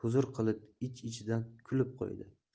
qilib ich ichidan kulib qo'ydi